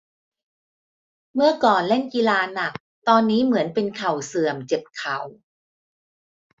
เมื่อก่อนเล่นกีฬาหนักตอนนี้เหมือนเป็นเข่าเสื่อมเจ็บเข่า